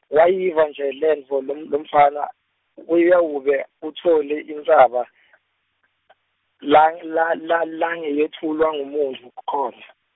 Wayiva nje lentfo lom- lomfana, uyawube, utfole intsaba , lang-, la, la, langeyutfulwa ngumuntfu khona.